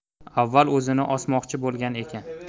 avval o'zini osmoqchi bo'lgan ekan